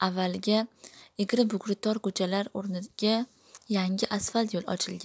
avvalgi egri bugri tor ko'chalar o 'rnida yangi asfalt yo'l ochilgan